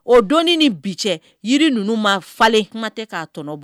O donni ni bi cɛ jiri ninnu ma falen kuma tɛ k'a tɔnɔ bɔ.